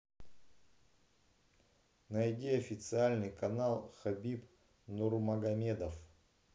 найди официальный канал хабиб нурмагомедов